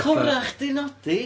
Corrach 'di Nodi.